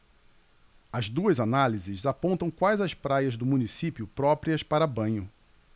as duas análises apontam quais as praias do município próprias para banho